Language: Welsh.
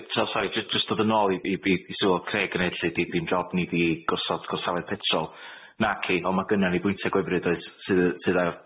Ie t'od sori j- jyst dod yn ôl i i i sylw fel Craeg yn neud lly d- dim job ni di gorsod gorsafedd petrol naci on' ma' gynna ni bwyntia gwefryd oes sydd yy sydd ar